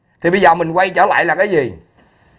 thì bây giờ mình quay trở lại là cái gì